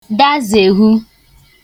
dazèhu